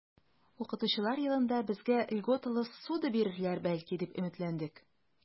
Укытучылар елында безгә льготалы ссуда бирерләр, бәлки, дип өметләндек.